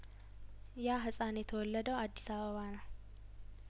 ያህጻን የተወለደው አዲስ አበባ ነው